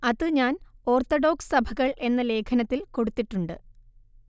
അത് ഞാൻ ഓർത്തഡോക്സ് സഭകൾ എന്ന ലേഖനത്തിൽ കൊടുത്തിട്ടുണ്ട്